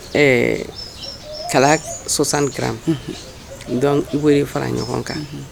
Ɛɛ kala k 60 grammes unhun donc i b'o de fara ɲɔgɔn kan unhun